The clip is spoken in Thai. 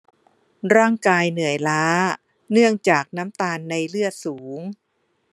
ร่างกายเหนื่อยล้าเนื่องจากน้ำตาลในเลือดสูง